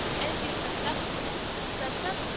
Энгель Фәттаховның, Татарстан